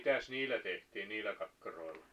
mitäs niillä tehtiin niillä kakkaroilla